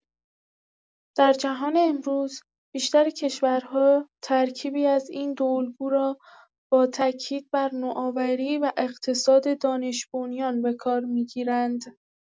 در جهان امروز، بیشتر کشورها ترکیبی از این دو الگو را با تأکید بر نوآوری و اقتصاد دانش‌بنیان به‌کار می‌گیرند.